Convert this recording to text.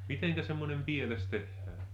miten semmoinen pieles tehdään